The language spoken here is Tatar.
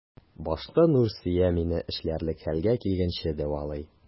Башта Нурсөя мине эшләрлек хәлгә килгәнче дәвалый.